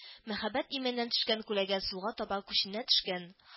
Мәһабәт имәннән төшкән күләгә сулга таба күченә төшкән